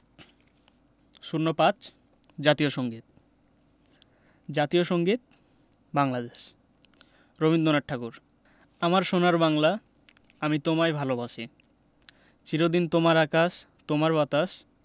০৫ জাতীয় সংগীত জাতীয় সংগীত বাংলাদেশ রবীন্দ্রনাথ ঠাকুর আমার সোনার বাংলা আমি তোমায় ভালোবাসি চির দিন তোমার আকাশ তোমার বাতাস